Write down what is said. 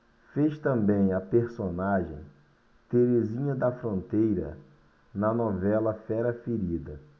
fez também a personagem terezinha da fronteira na novela fera ferida